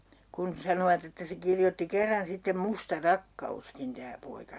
kun sanoivat että se kirjoitti kerran sitten Musta rakkauskin tämä poika